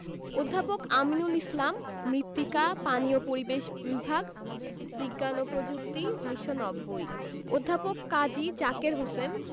অধ্যাপক আমিনুল ইসলাম মৃত্তিকা পানি ও পরিবেশ বিভাগ বিজ্ঞান ও প্রযুক্তি ১৯৯০ অধ্যাপক কাজী জাকের হোসেন